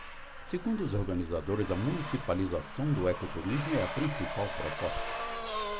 segundo os organizadores a municipalização do ecoturismo é a principal proposta